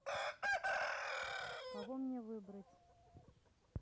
кого мне выбрать